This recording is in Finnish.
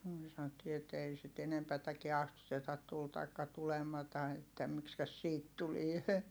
me sanottiin että ei sitä enempääkään astuteta tuli tai tulematta että miksikäs siitä tulee